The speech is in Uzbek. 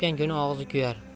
kuni og'zi kuyar